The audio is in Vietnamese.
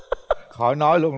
khỏi nói lun